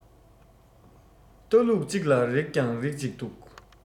ལྟ ལུགས གཅིག ལ རིགས ཀྱང རིགས གཅིག འདུག